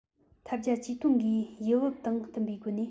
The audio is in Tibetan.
ཐབས བརྒྱ ཇུས སྟོང གིས ཡུལ བབ དང བསྟུན པའི སྒོ ནས